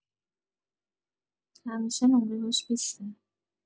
همیشه نمره‌هاش بیسته.